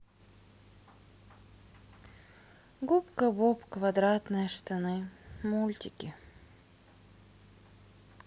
губка боб квадратные штаны мультики